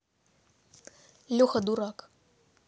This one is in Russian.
леха дурак